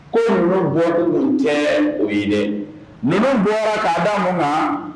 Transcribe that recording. Ko nunnu bɔli tun tɛ o. ye dɛ Nunnu bɔla k'a. da. mun kan?